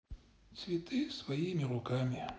цветы своими руками